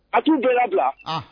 A t'u bɛɛ labila anh